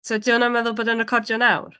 So 'di hwnna'n meddwl bod e'n recordio nawr?